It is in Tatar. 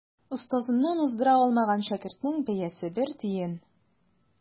Остазыннан уздыра алмаган шәкертнең бәясе бер тиен.